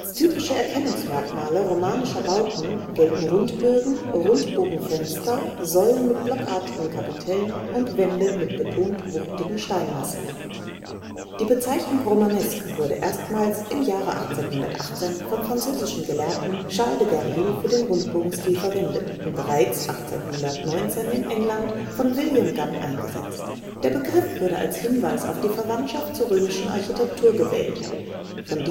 typische “Erkennungsmerkmale romanischer Bauten gelten Rundbögen, Rundbogenfenster, Säulen mit blockartigen Kapitellen und Wände mit betont wuchtigen Steinmassen. 1 Etymologie 2 Romanische Baukunst 3 Stilphasen 3.1 Frühromanik 3.2 Hochromanik 3.3 Spätromanik 4 Profanbauten 5 Romanik in weiteren Gattungen 6 Neuromanik 7 Touristik und Romanik 8 Siehe auch 9 Literatur 10 Weblinks 11 Einzelnachweise Die Bezeichnung romanesque wurde erstmals im Jahre 1818 vom französischen Gelehrten Charles de Gerville für den Rundbogenstil verwendet und bereits 1819 in England von William Gunn eingesetzt. Der Begriff wurde als Hinweis auf die Verwandtschaft zur römischen Architektur gewählt, von